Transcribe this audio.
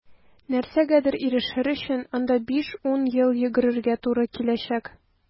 Нәрсәгәдер ирешер өчен анда 5-10 ел йөгерергә туры киләчәк.